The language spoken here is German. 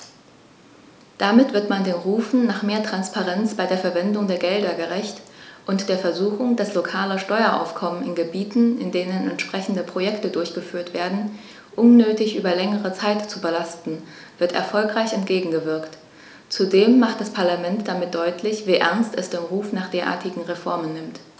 Damit wird man den Rufen nach mehr Transparenz bei der Verwendung der Gelder gerecht, und der Versuchung, das lokale Steueraufkommen in Gebieten, in denen entsprechende Projekte durchgeführt werden, unnötig über längere Zeit zu belasten, wird erfolgreich entgegengewirkt. Zudem macht das Parlament damit deutlich, wie ernst es den Ruf nach derartigen Reformen nimmt.